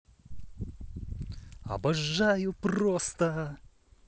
обожаю просто